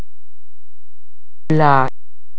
لا